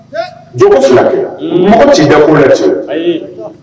J filakɛ mɔgɔ tija ko ten